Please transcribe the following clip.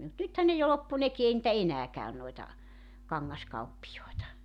mutta nythän ne jo loppui nekin ei niitä enää käy noita kangaskauppiaita